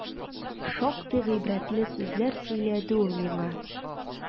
Шактый гыйбрәтле сүзләр сөйләде ул миңа.